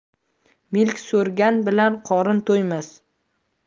milk so'rgan bilan qorin to'ymas